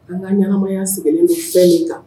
An ka ɲɛnamaya sigilen fɛn in kan